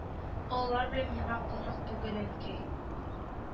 Олылар белән миңа кызык түгел әнкәй